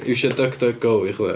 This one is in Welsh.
Iwsio duck duck go i chwilio.